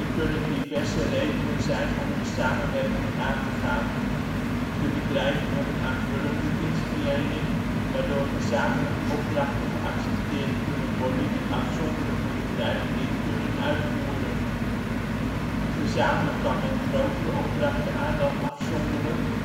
kunnen diverse redenen zijn om de samenwerking aan te gaan: de bedrijven hebben aanvullende dienstverlening, waardoor gezamenlijk opdrachten geaccepteerd kunnen worden die afzonderlijke bedrijven niet kunnen uitvoeren (additionaliteitsmotief); gezamenlijk kan men grotere opdrachten aan dan afzonderlijk